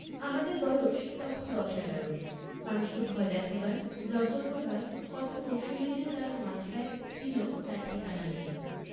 আমাদের বয়স তখন দশ এগারো মানুষকে ভয় দেখাবার জব্দ করবার কত কৌশলই যে তার মাথায় ছিল তার ঠিকানা নেই